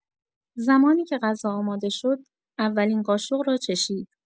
زمانی که غذا آماده شد، اولین قاشق را چشید.